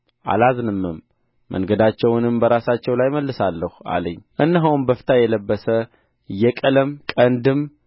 አላዝንምም መንገዳቸውንም በራሳቸው ላይ እመልሳለሁ አለኝ እነሆም በፍታ የለበሰው የቀለም ቀንድም